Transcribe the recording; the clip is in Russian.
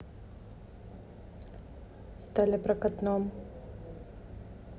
сталепрокатном